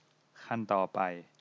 ขั้นต่อไป